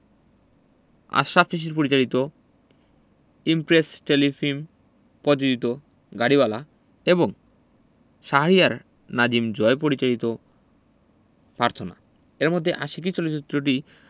আশরাফ শিশির পরিচালিত Impress Telefilm পযোজিত গাড়িওয়ালা এবং শাহরিয়ার নাজিম জয় পরিচালিত পার্থনা এর মধ্যে আশিকী চলচ্চিত্রটি